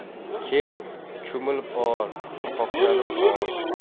kel cho'milib ol poklanib ol